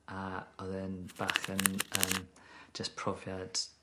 a odd e'n bach yn yym, jyst profiad